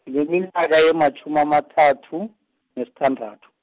ngineminyaka ematjhumi amathathu, nesithandathu.